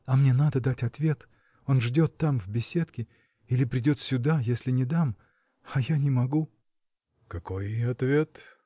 — А мне надо дать ответ: он ждет там, в беседке, или придет сюда, если не дам. а я не могу. — Какой ответ?